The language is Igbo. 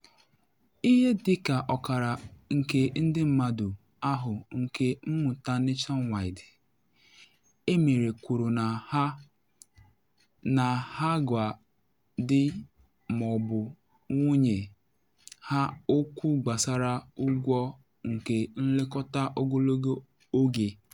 Ihe dị ka okara nke ndị mmadụ ahụ na mmụta Nationwide emere kwuru na ha na agwa di ma ọ bụ nwunye ha okwu gbasara ụgwọ nke nlekọta ogologo oge.